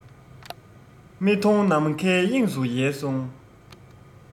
མི མཐོང ནམ མཁའི དབྱིངས སུ ཡལ སོང